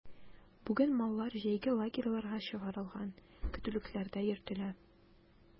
Бүген маллар җәйге лагерьларга чыгарылган, көтүлекләрдә йөртелә.